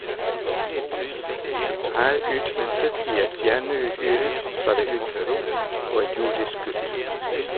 Her utmyntet i et jernuhyre fra det ytre rom og en jordisk gutt.